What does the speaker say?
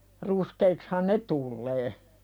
ruskeiksihan ne tulee